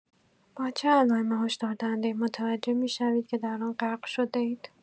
با چه علائم هشداردهنده‌ای متوجه می‌شوید که در آن غرق شده‌اید؟